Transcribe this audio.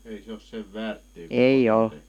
ei se olisi sen väärtiä kuin kotona tehty